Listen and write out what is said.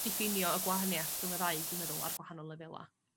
diffinio y gwahaniath rhwng y ddau dwi'n meddwl ar gwahanol lefela'.